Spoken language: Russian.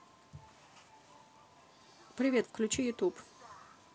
привет включи ютуб